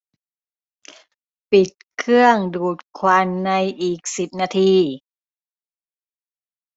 ปิดเครื่องดูดควันในอีกสิบนาที